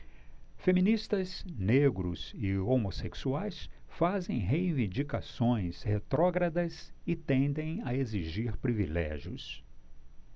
feministas negros e homossexuais fazem reivindicações retrógradas e tendem a exigir privilégios